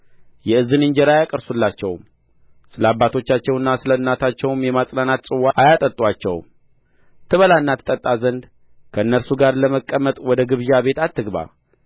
የእዝን እንጀራ አይቈርሱላቸውም ስለ አባታቸውና ስለ እናታቸውም የመጽናናት ጽዋ አያጠጡአቸውም ትበላና ትጠጣ ዘንድ ከእነርሱ ጋር ለመቀመጥ ወደ ግብዣ ቤት አትግባ